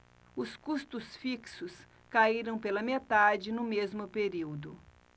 os custos fixos caíram pela metade no mesmo período